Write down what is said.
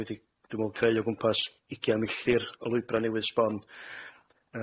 wedi dwi me'wl creu o gwmpas ugian milltir o lwybra' newydd sbon